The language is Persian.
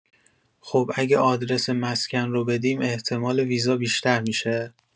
خب اگه آدرس مسکن رو بدیم احتمال ویزا بیشتر می‌شه؟